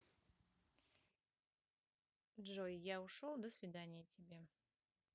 джой я ушел до свидания тебе